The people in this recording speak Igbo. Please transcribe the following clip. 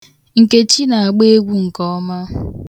Nkechi na-agba egwu nke ọma.